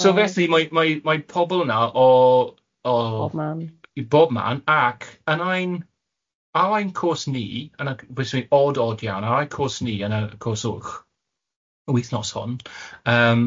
So felly mae mae mae pobol yna o o... O bobman. ...i bobman ac yn ain ar ain cws ni yn y c- byswn i'n mynd od od iawn ar ain cwrs ni yn y cwrs wch yr wythnos hon yym